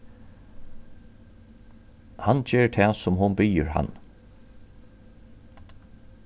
hann ger tað sum hon biður hann